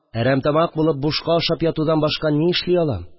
Әрәмтамак булып бушка ашап ятудан башка ни эшли алам